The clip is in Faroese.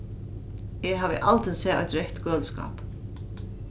eg havi aldrin sæð eitt reytt køliskáp